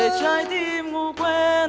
để trái tim ngủ quên